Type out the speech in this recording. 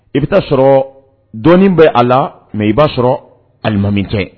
I bɛ taa sɔrɔ dɔɔnin bɛ a la mɛ i b'a sɔrɔ alimami kɛ